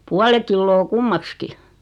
puoli kiloa kummaksikin